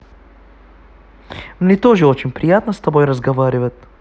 мне тоже очень приятно с тобой разговаривать